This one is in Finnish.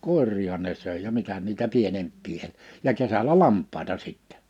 koiriahan ne söi ja mitä niitä pienempiä - ja kesällä lampaita sitten